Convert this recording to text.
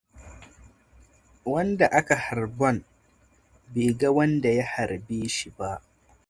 Wanda aka harban baiga wanda ya harbe shi ba.